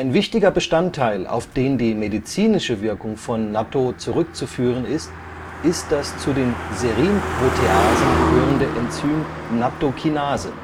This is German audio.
wichtiger Bestandteil, auf den die medizinische Wirkung von Nattō zurückzuführen ist, ist das zu den Serinproteasen gehörende Enzym Nattokinase